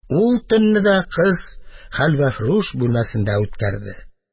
Ул төнне дә кыз хәлвәфрүш бүлмәсендә үткәрде.